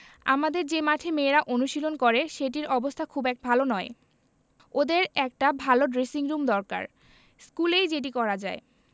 আমাদের যে মাঠে মেয়েরা অনুশীলন করে সেটির অবস্থা খুব এক ভালো নয় ওদের একটা ভালো ড্রেসিংরুম দরকার স্কুলেই যেটি করা যায়